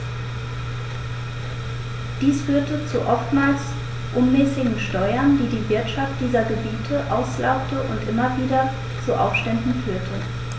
Dies führte zu oftmals unmäßigen Steuern, die die Wirtschaft dieser Gebiete auslaugte und immer wieder zu Aufständen führte.